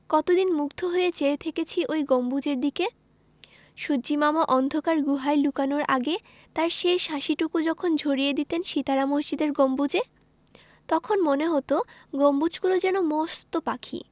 কতদিন মুগ্ধ হয়ে চেয়ে থেকেছি ওর গম্বুজের দিকে সূর্য্যিমামা অন্ধকার গুহায় লুকানোর আগে তাঁর শেষ হাসিটুকু যখন ঝরিয়ে দিতেন সিতারা মসজিদের গম্বুজে তখন মনে হতো গম্বুজগুলো যেন মস্ত পাখি